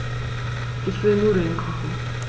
Ich will Nudeln kochen.